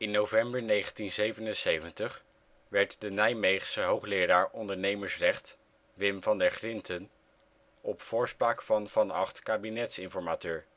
november 1977 werd de Nijmeegse hoogleraar ondernemersrecht Wim van der Grinten op voorspraak van Van Agt kabinetsinformateur